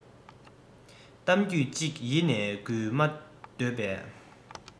གཏམ རྒྱུད ཅིག ཡིད ནས སྒུལ མ འདོད པས